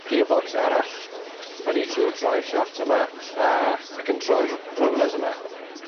Gearbox arall fynny trw'r driveshafts yma a ac yn troi'r rollers yma.